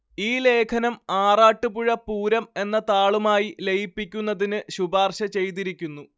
ഈ ലേഖനം ആറാട്ടുപുഴ പൂരം എന്ന താളുമായി ലയിപ്പിക്കുന്നതിന്‌ ശുപാര്‍ശ ചെയ്തിരിക്കുന്നു